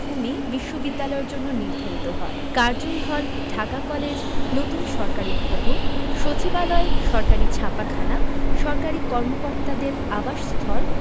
ভূমি বিশ্ববিদ্যালয়ের জন্য নির্ধারিত হয় কার্জন হল ঢাকা কলেজ নতুন সরকারি ভবন সচিবালয় সরকারি ছাপাখানা সরকারি কর্মকর্তাদের আবাসস্থল